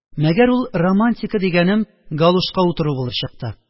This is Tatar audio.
Мәгәр ул романтика дигәнем галошка утыру булып чыкты